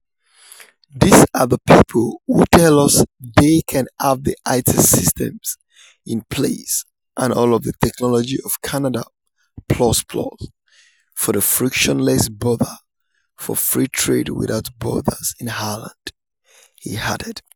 These are the people who tell us they can have the IT systems in place and all of the technology for Canada plus plus, for the frictionless border, for free trade without borders in Ireland,' he added.